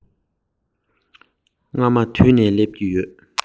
རྔ མ དུད ནས སླེབས ཀྱི ཡོད